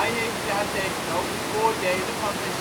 heeft daartegenover voordelen van zijn